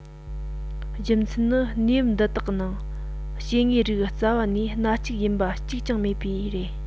རྒྱུ མཚན ནི གནས བབ འདི དག ནང སྐྱེ དངོས རིགས རྩ བ ནས སྣ གཅིག ཡིན པ གཅིག ཀྱང མེད པས རེད